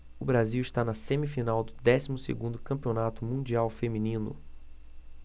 o brasil está na semifinal do décimo segundo campeonato mundial feminino